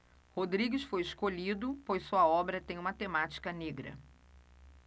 rodrigues foi escolhido pois sua obra tem uma temática negra